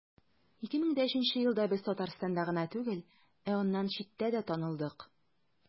2003 елда без татарстанда гына түгел, ә аннан читтә дә танылдык.